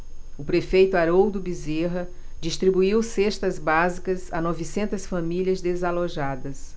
o prefeito haroldo bezerra distribuiu cestas básicas a novecentas famílias desalojadas